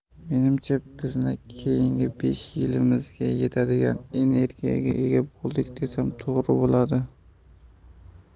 menimcha bizni keyingi besh yilligimizga yetadigan energiyaga ega bo'ldik desam to'g'ri bo'ladi